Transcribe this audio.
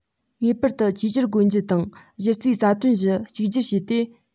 ངེས པར དུ བསྒྱུར བཅོས སྒོ འབྱེད དང གཞི རྩའི རྩ དོན བཞི གཅིག གྱུར བྱས ཏེ